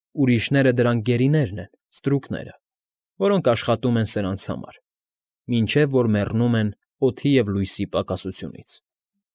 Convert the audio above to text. Ուրիշները՝ դրանք գերիներն են, ստրուկները, որոնք աշխատում են սրանց համար, մինչև որ մեռնում են օդի ու լույսի պակասությունից։